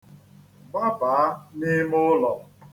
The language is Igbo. Gbabaa n'ime ụlọ.